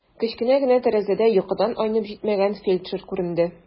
Кечкенә генә тәрәзәдә йокыдан айнып җитмәгән фельдшер күренде.